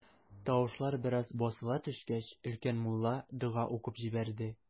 Тавышлар бераз басыла төшкәч, өлкән мулла дога укып җибәрде.